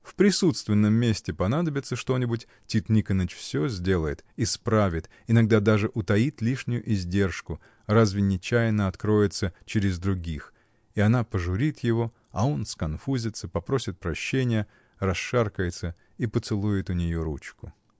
В присутственном месте понадобится что-нибудь — Тит Никоныч всё сделает, исправит, иногда даже утаит лишнюю издержку, разве нечаянно откроется, через других, и она пожурит его, а он сконфузится, попросит прощения, расшаркается и поцелует у нее ручку.